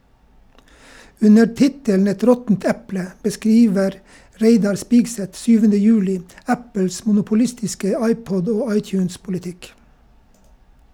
Under tittelen "Et råttent eple" beskriver Reidar Spigseth 7. juli Apples monopolistiske iPod- og iTunes-politikk.